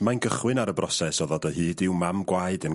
...mae'n gychwyn ar y broses o ddod o hyd i'w mam gwaed yn...